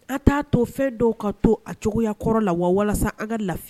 An t'a to fɛn dɔw ka to a cogoyakɔrɔ la wa walasa an ka lafiya